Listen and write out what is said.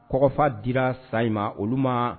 Kɔfa dira sa in ma olu ma